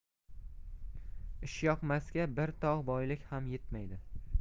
ishyoqmasga bir tog' boylik ham yetmaydi